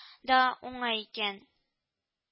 Да уңай икән